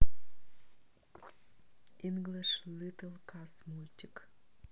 инглиш литл каз мультик